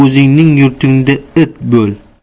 o'zingning yurtingda it bo'l